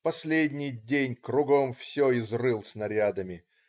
Последний день кругом все изрыли снарядами.